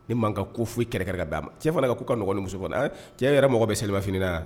Ni ma ko foyi i kɛlɛkɛ'a ma cɛ fana' kamuso kɔnɔ cɛ yɛrɛ mɔgɔ bɛ selilimaf wa